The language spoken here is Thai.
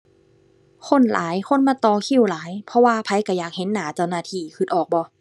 คนหลาย คนมาต่อคิวหลาย เพราะว่าไผก็อยากเห็นหน้าเจ้าหน้าที่ ก็ออกบ่